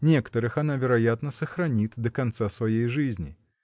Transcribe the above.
некоторых она, вероятно, сохранит до конца своей жизни.